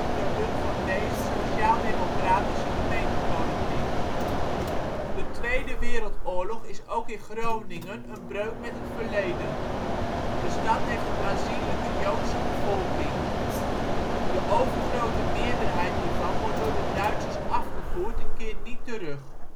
product van deze sociaaldemocratische gemeentepolitiek. De Tweede Wereldoorlog is ook in Groningen een breuk met het verleden. De stad heeft een aanzienlijke Joodse bevolking. De overgrote meerderheid hiervan wordt door de Duitsers afgevoerd en keert niet terug